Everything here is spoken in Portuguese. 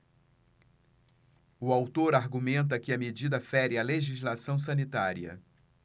o autor argumenta que a medida fere a legislação sanitária